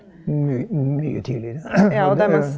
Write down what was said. my mye tidligere og det .